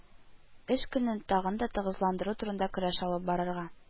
Эш көнен тагын да тыгызландыру турында көрәш алып барырга